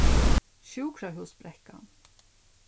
sjúkrahúsbrekkan